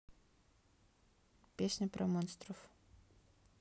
песня про монстров